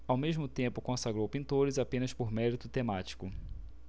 ao mesmo tempo consagrou pintores apenas por mérito temático